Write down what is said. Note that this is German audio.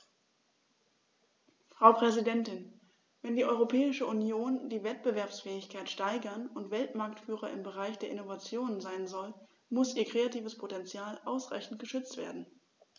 Frau Präsidentin, wenn die Europäische Union die Wettbewerbsfähigkeit steigern und Weltmarktführer im Bereich der Innovation sein soll, muss ihr kreatives Potential ausreichend geschützt werden.